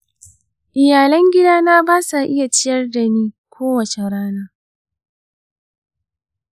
iyalan gidana ba sa iya ciyar da ni kowace rana.